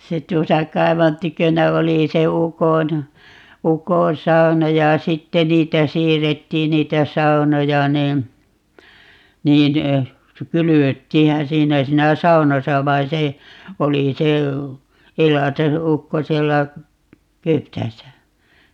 se tuossa kaivon tykönä oli se ukon ukon sauna ja sitten niitä siirrettiin niitä saunoja niin niin kylvettiinhän siinä siinä saunassa vaan se oli se - elateukko siellä -